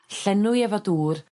Llenwi efo dŵr